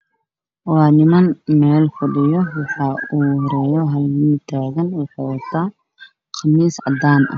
Waa Niman meel fadhiyo wxaa ugu horey hal nin oo tagan wxuu watada qamiis cadan ah